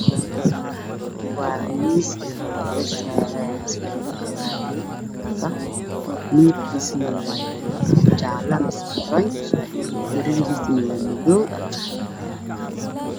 Waa arrimaajo waxa ay leedahay miis wax la saarto oo midabkiisu yahay orange armaajo midabkeedu waa qaxwi